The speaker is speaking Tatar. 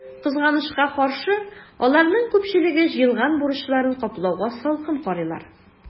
Кызганычка каршы, аларның күпчелеге җыелган бурычларын каплауга салкын карыйлар.